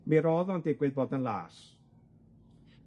Mi ro'dd o'n digwydd bod yn las.